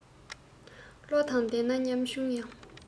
བློ དང ལྡན ན ཉམ ཆུང ཡང